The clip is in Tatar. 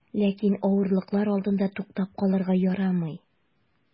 Ләкин авырлыклар алдында туктап калырга ярамый.